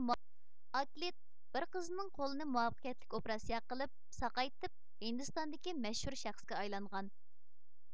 ئاكلىت بىر قىزنىڭ قولىنى مۇۋەپپەقىيەتلىك ئوپراتسىيە قىلىپ ساقايتىپ ھىندىستاندىكى مەشھۇر شەخسكە ئايلانغان